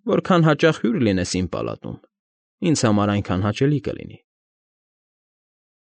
Որքան հաճախ հյուր լինես իմ պալատում, ինձ համար այնքան հաճելի կլինի։ ֊